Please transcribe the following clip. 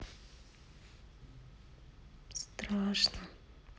страшно